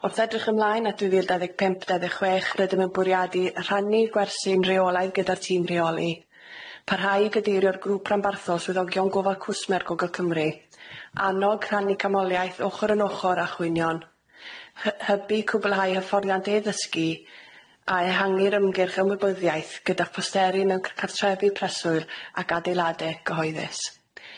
Wrth edrych ymlaen at dwy fil dau ddeg pump dau ddeg chwech rydym yn bwriadu rhannu gwersi'n reolaidd gyda'r tîm rheoli, parhau i gadeirio'r grŵp rhanbarthol swyddogion gofal cwsmer Gogel Cymru, annog rhannu camoliaeth ochor yn ochor a chwynion, hy- hybu cwblhau hyfforddiant e-ddysgu a ehangu'r ymgyrch ymwybyddiaeth gyda'ch posteri mewn cartrefi preswyl ac adeilade cyhoeddus.